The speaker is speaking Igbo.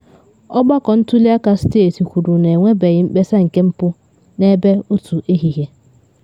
Ọgbakọ ntuli aka steeti kwuru na enwebeghị mkpesa nke mpụ n’ebe 1 ehihie.